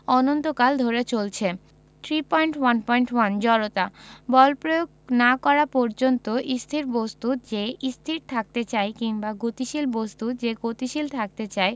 অনন্তকাল ধরে চলছে 3.1.1 জড়তা বল প্রয়োগ না করা পর্যন্ত স্থির বস্তু যে স্থির থাকতে চায় কিংবা গতিশীল বস্তু যে গতিশীল থাকতে চায়